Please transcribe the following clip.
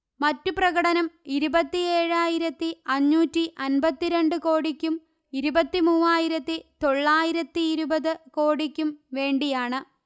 മറ്റു പ്രകടനം ഇരുപത്തി ഏഴായിരത്തി അഞ്ഞൂറ്റി അന്പത്തിരണ്ട് കോടിയ്ക്കും ഇരുപത്തിമൂവായിരത്തി തൊള്ളായിരത്തിരുപത് കോടിയ്ക്കും വേണ്ടിയാണ്